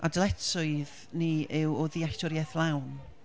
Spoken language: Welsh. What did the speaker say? A dyletswydd ni yw o ddealltwriaeth lawn.